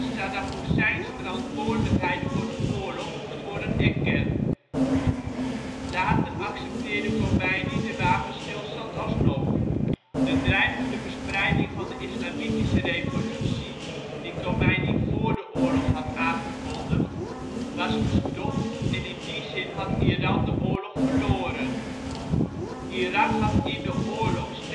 verantwoordelijkheid voor de oorlog moest worden erkend. Later accepteerde Khomeini de wapenstilstand alsnog. De dreigende verspreiding van de Islamitische Revolutie die Khomeini voor de oorlog had aangekondigd, was gestopt en in die zin had Iran de oorlog verloren. Irak had in de oorlog